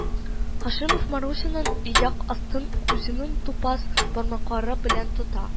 Һашимов Марусяның ияк астын үзенең тупас бармаклары белән тота